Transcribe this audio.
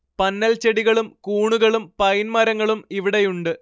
പന്നൽച്ചെടികളും കൂണുകളും പൈൻ മരങ്ങളും ഇവിടെയുണ്ട്